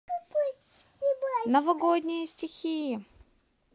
новогодние стихи